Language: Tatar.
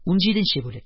Унҗиденче бүлек